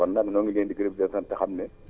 kon nag ñoo ngi leen di gërëm di leen sant te xam ne